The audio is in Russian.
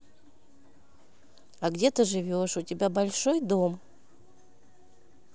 а где ты живешь у тебя большой дом